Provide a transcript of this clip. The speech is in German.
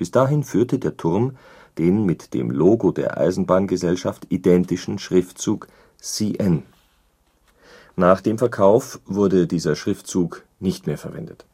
dahin führte der Turm den mit dem Logo der Eisenbahngesellschaft identischen Schriftzug CN. Nach dem Verkauf wurde dieser Schriftzug nicht mehr verwendet